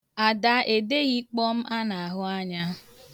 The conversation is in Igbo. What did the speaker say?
Ada edeghị kpọm a na-ahụ anya.